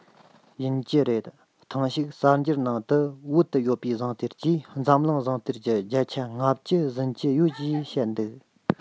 ཡིན གྱི རེད ཐེངས ཤིག གསར འགྱུར ནང དུ བོད དུ ཡོད པའི ཟངས གཏེར གྱིས འཛམ གླིང ཟངས གཏེར གྱི བརྒྱ ཆ ལྔ བཅུ ཟིན གྱི ཡོད ཞེས བཤད འདུག